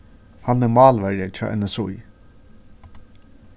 hann er málverji hjá nsí